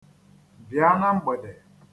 Bịa na mgbede.